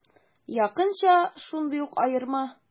Якынча шундый ук аерма.